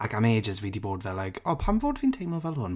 Ac am ages fi 'di bod fel like... "O, pam fod fi'n teimlo fel hwn?"